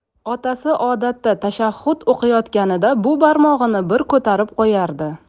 otasi odatda tashahhud o'qiyotganida bu barmog'ini bir ko'tarib qo'yardi